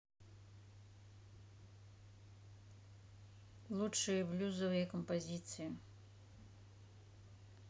лучшие блюзовые композиции